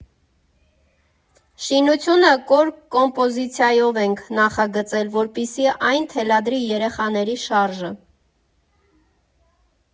Շինությունը կոր կոմպոզիցիայով ենք նախագծել, որպեսզի այն թելադրի երեխաների շարժը։